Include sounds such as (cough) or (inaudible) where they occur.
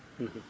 (hesitation) (hesitation)